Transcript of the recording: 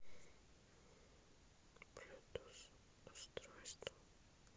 блютуз устройства